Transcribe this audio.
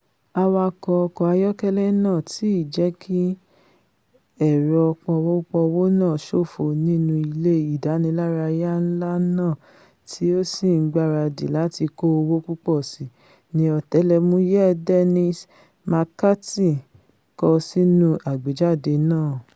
Awạko ọkọ̀ ayọ́kẹ́lẹ́ náà ti ń jẹ́kí ẹ̀rọ pọwó-pọwó náà sófo nínú ilé ìdánilárayá ńlá náà tí ó sì ń gbaradì láti kó owó púpọ̀ síi, ni Ọ̀tẹlẹ̀múyẹ Dennis McCarthy kọ sínú àgbéjáde náà.